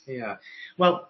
Ia. Wel